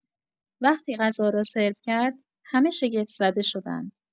وقتی غذا را سرو کرد، همه شگفت‌زده شدند.